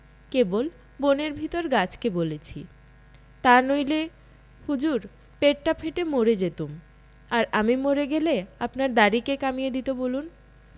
কেবল বনের ভিতর গাছকে বলেছি তানইলে হুজুর পেটটা ফেটে মরে যেতুম আর আমি মরে গেলে আপনার দাড়ি কে কামিয়ে দিত বলুন